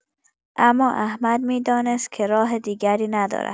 اما احمد می‌دانست که راه دیگری ندارد.